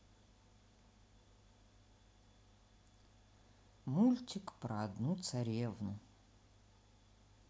мультик про одну царевну